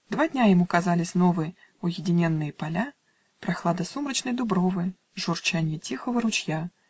Два дня ему казались новы Уединенные поля, Прохлада сумрачной дубровы, Журчанье тихого ручья